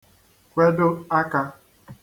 kwedo akā